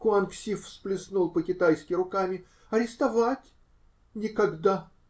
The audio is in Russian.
Куанг-Си всплеснул по-китайски руками: -- Арестовать?! Никогда!